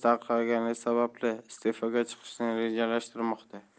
tarqalgani sababli iste'foga chiqishni rejalashtirmoqda